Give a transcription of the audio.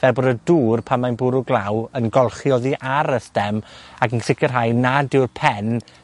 fel bod y dŵr, pan mae'n bwrw glaw, yn golchi oddi ar y stem ac yn sicirhau nad yw'r pen